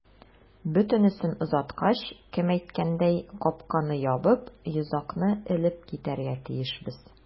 Бөтенесен озаткач, кем әйткәндәй, капканы ябып, йозакны элеп китәргә тиешбез.